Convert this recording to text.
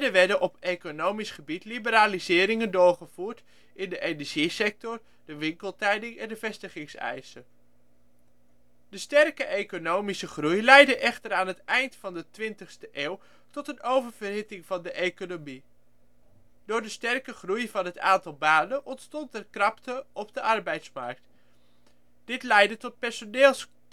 werden op economisch gebied liberaliseringen doorgevoerd (energiesector, winkeltijden, vestigingseisen). De sterke economische groei leidde echter aan het eind van de 20e eeuw tot een oververhitting van de economie. Door de sterke groei van het aantal banen ontstond er krapte op de arbeidsmarkt. Dit leidde tot personeelskorten